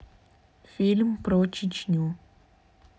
фильм про чечню